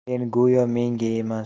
keyin go'yo menga emas